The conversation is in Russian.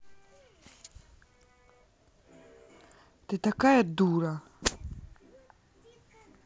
ты такая дура